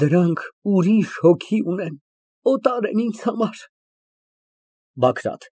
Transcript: Դրանք ուրիշ հոգի ունեն, օտար են ինձ համար։ (Համբուրում է)։